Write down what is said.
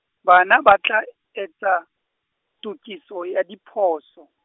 bana batla, etsa, tokiso ya diphoso.